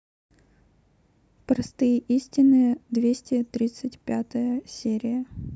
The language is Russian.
простые истины двести тридцать пятая серия